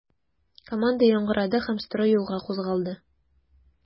Команда яңгырады һәм строй юлга кузгалды.